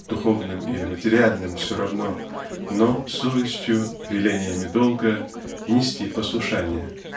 духовным или материальным -- все равно но совестью велениями долга нести послушание.